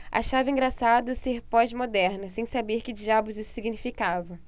achava engraçado ser pós-moderna sem saber que diabos isso significava